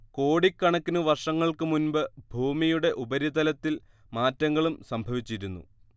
കോടിക്കണക്കിനു വർഷങ്ങൾക്കു മുൻപ് ഭൂമിയുടെ ഉപരിതലത്തിൽ മാറ്റങ്ങളും സംഭവിച്ചിരുന്നു